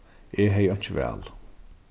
eg hevði einki val